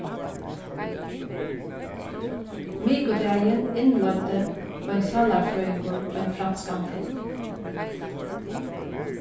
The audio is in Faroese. mikudagin innleiddi ein sálarfrøðingur ein franskan film